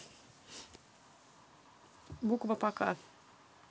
буква пока